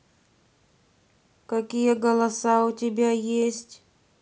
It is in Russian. какие голоса у тебя есть